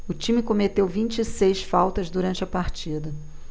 o time cometeu vinte e seis faltas durante a partida